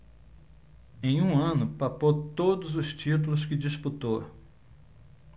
em um ano papou todos os títulos que disputou